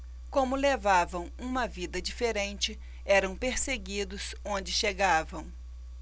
como levavam uma vida diferente eram perseguidos onde chegavam